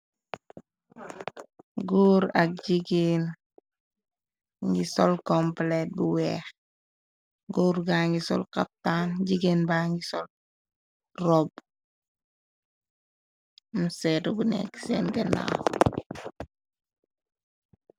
Góor ak jigeen ngi sol compilet bu weex. Goor ga ngi sol xaptaan, jigéen ba ngi sol rob, mu seetu bu nekk seen gennaaw.